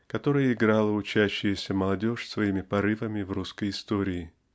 которую играла учащаяся молодежь с своими порывами в русской истории